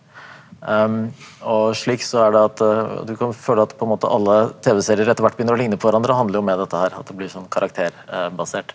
og slik så er det at du kan føle at på en måte alle tv-serier etterhvert begynner å ligne på hverandre handler jo med dette her at det blir sånn karakterbasert.